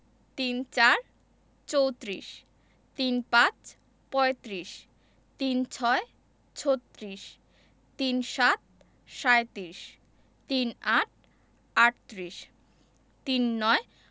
৩৪ - চৌত্রিশ ৩৫ - পঁয়ত্রিশ ৩৬ - ছত্রিশ ৩৭ - সাঁইত্রিশ ৩৮ - আটত্রিশ ৩৯